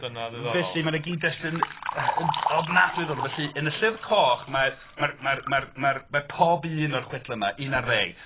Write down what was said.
Dyna ddiddorol... Felly mae 'na gyd-destun yy ofnadwy o ddiddorol. Felly yn y Llyfr Coch mae... mae'r... mae'r... mae'r... mae'r... mae pob un o'r chwedlau 'ma un ar ddeg.